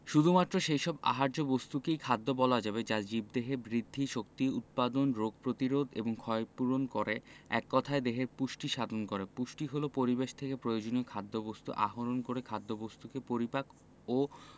শুধুমাত্র সেই সব আহার্য বস্তুকেই খাদ্য বলা যাবে যা জীবদেহে বৃদ্ধি শক্তি উৎপাদন রোগ প্রতিরোধ এবং ক্ষয়পূরণ করে এক কথায় দেহের পুষ্টি সাধন করে পুষ্টি হলো পরিবেশ থেকে প্রয়োজনীয় খাদ্যবস্তু আহরণ করে খাদ্যবস্তুকে পরিপাক ও